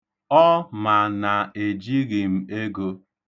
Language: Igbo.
Ọ ma na ejighi m ego.